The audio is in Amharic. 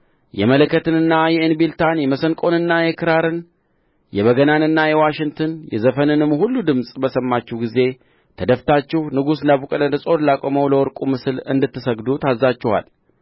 የመለከትንና የእንቢልታን የመሰንቆንና የክራርን የበገናንና የዋሽንትን የዘፈንንም ሁሉ ድምፅ በሰማችሁ ጊዜ ተደፍታችሁ ንጉሡ ናቡከደነፆር ላቆመው ለወርቁ ምስል እንድትሰግዱ ታዝዛችኋል